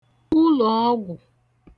ulòọgwụ̀